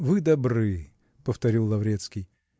-- Вы добры, -- повторил Лаврецкий.